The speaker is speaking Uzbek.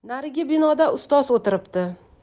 narigi binoda ustoz o'tiribdi